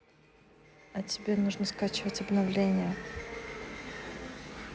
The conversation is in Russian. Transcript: а тебе нужно скачивать обновления